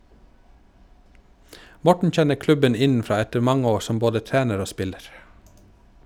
Morten kjenner klubben innenfra etter mange år som både trener og spiller.